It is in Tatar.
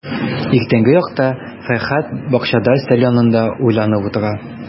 Иртәнге якта Фәрхәт бакчада өстәл янында уйланып утыра.